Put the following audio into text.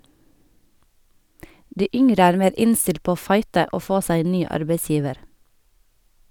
De yngre er mer innstilt på å fighte og få seg en ny arbeidsgiver.